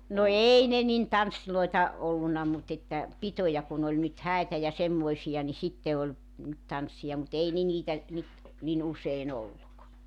no ei ne niin tansseja ollut mutta että pitoja kun oli nyt häitä ja semmoisia niin sitten oli nyt tanssia mutta ei ne niitä nyt niin usein ollut